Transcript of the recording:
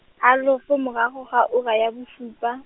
halofo marago ga ura ya bosupa.